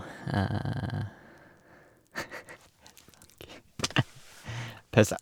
Pause.